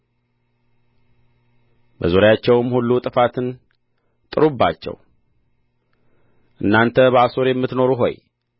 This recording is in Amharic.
በዙሪያቸውም ሁሉ ጥፋትን ጥሩባቸው እናንተ በአሶር የምትኖሩ ሆይ